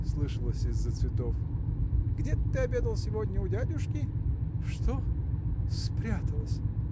– слышалось из-за цветов, – где ты обедал сегодня, у дядюшки? – Что? спряталась!